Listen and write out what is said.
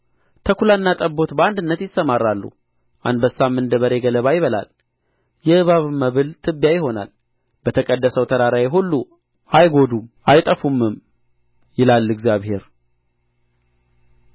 ተኵላና ጠቦት በአንድነት ይሰማራሉ አንበሳም እንደ በሬ ገለባ ይበላል የእባብም መብል ትቢያ ይሆናል በተቀደሰው ተራራዬ ሁሉ አይጐዱም አያጠፉምም ይላል እግዚአብሔር